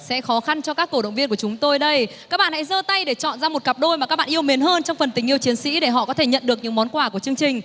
sẽ khó khăn cho các cổ động viên của chúng tôi đây các bạn hãy giơ tay để chọn ra một cặp đôi mà các bạn yêu mến hơn trong phần tình yêu chiến sĩ để họ có thể nhận được những món quà của chương trình